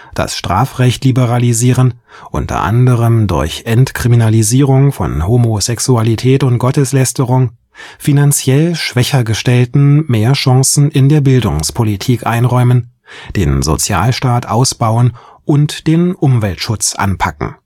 das Strafrecht liberalisieren, unter anderem durch Entkriminalisierung von Homosexualität und Gotteslästerung, finanziell schwächer Gestellten mehr Chancen in der Bildungspolitik einräumen, den Sozialstaat ausbauen und den Umweltschutz anpacken